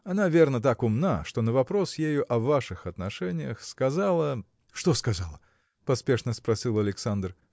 Она, верно, так умна, что на вопрос его о ваших отношениях сказала. – Что сказала? – поспешно спросил Александр.